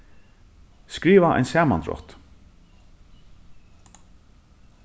skriva ein samandrátt